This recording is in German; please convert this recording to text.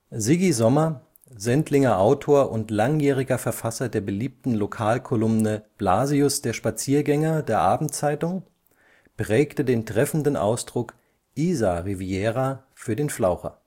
Sigi Sommer, Sendlinger Autor und langjähriger Verfasser der beliebten Lokalkolumne Blasius, der Spaziergänger der Abendzeitung, prägte den treffenden Ausdruck „ Isar-Riviera “für den Flaucher